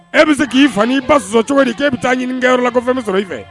E bɛ se k'i fa n'i ba sɔsɔ cogo di k'e bɛ taa ɲinini kɛyɔrɔ la ko fɛn bɛ sɔrɔ i fɛ ?